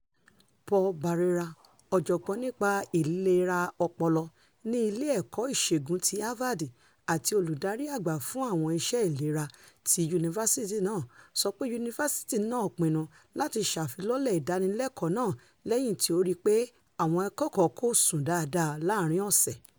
Paul Barreira, ọ̀jọ̀gbọ́n nípa ìlera ọpọlọ ní ilé ẹ̀kọ́ ìṣègùn ti Harvard àti olùdarí àgbà fún àwọn iṣẹ́ ìlera ti yunifásítì náà, sọ pé yunifásítì náà pinnu láti ṣàfilọ́lẹ̀ ìdánilẹ́kọ̀ọ́ náà sílẹ̀ lẹ́yìn tí ó rí i pé àwọn akẹ́kọ̀ọ́ kò sùn dáadáa láàárín ọ̀sẹ̀.